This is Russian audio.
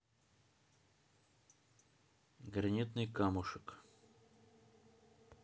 гранитный камушек